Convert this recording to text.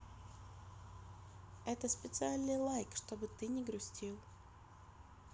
это специальный лайк чтобы ты не грустил